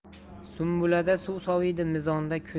sumbulada suv soviydi mizonda kun